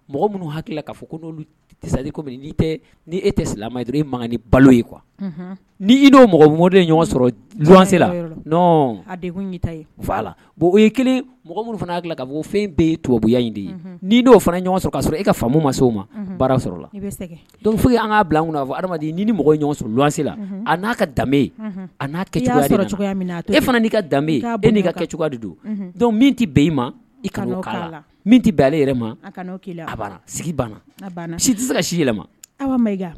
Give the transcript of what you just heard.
Mɔgɔ minnu hakili ka ko n'olu tɛ e ni balo ye ni i mɔgɔ mɔdense la o mɔgɔ minnu fana' ka bɔ fɛn bɛ ye tubabuya de ye'o fana ɲɔgɔn sɔrɔ ka e ka famu ma o ma bara sɔrɔ fo y an' bila'a fɔ adama mɔgɔ sɔrɔwasela a n'a ka danbe a'a kɛ e fana' ka danbebe ye'i ka kɛ don min tɛ bɛn e ma i ka' min tɛ bɛn ale yɛrɛ ma a sigi banna si tɛ se ka si yɛlɛma